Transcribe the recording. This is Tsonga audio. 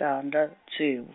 tandza ntsevu.